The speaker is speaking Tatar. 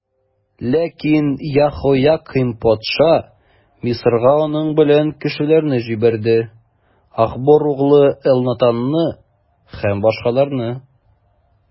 Ләкин Яһоякыйм патша Мисырга аның белән кешеләрне җибәрде: Ахбор углы Элнатанны һәм башкаларны.